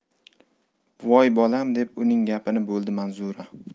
voy bolam deb uning gapini bo'ldi manzura